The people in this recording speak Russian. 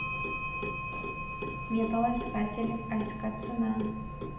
металлоискатель аська цена